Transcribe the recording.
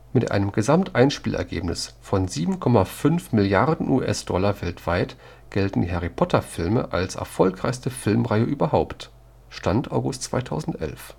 Mit einem Gesamt-Einspielergebnis von rund 7,5 Milliarden US-Dollar weltweit gelten die Harry-Potter-Filme als erfolgreichste Filmreihe überhaupt (Stand: August 2011